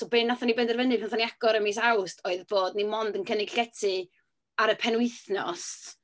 So, be wnaethon ni benderfynu pan wnaethon ni agor yn mis Awst oedd bod ni mond yn cynnig llety ar y penwythnos.